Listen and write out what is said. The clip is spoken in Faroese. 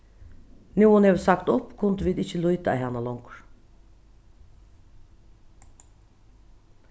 nú hon hevur sagt upp kunnu vit ikki líta á hana longur